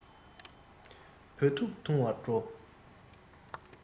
བོད ཐུག འཐུང བར འགྲོ